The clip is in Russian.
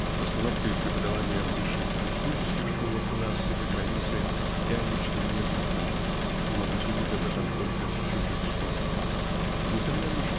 С постановкой преподавания в высших технических школах у нас и за границей я лично не знаком и могу судить об этом только с чужих слов. Несомненно